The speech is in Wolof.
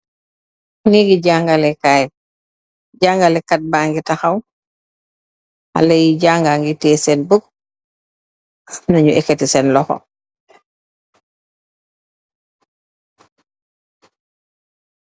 Nègii jangaleh Kai , jangaleh kat ba'ngi taxaw , xalèh yi janga ngi teyeh sèèn buk, am na ñu yakati seen loxo.